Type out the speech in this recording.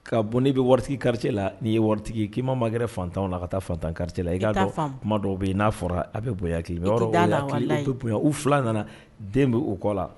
Ka bɔ n'e bɛ waritigi quartier la n'i ye waritigi ye, k'i ma magɛrɛ fantanw na, ka taa fantan quartier la. I t'a faamu.I k'a dɔn kuma dɔw bɛ yen n'a fɔra a bɛ bonya i hakili ma. I tɛ d'a la. Yɔrɔ I bɛ hakili, u fila nana den bɛ u kɔ la